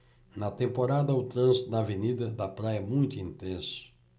na temporada o trânsito na avenida da praia é muito intenso